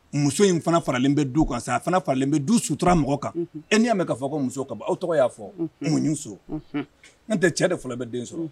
Muso in fana faralen bɛ du kan sa, a fana faralen bɛ du sutura mɔgɔ kan. Uhun. E n'i y'a mɛn muso kaban aw tɔgɔ y'a fɔ o. Unhun. Muɲu so, n'o tɛ cɛ de fɔlɔ bɛ den sɔrɔ. Unhun.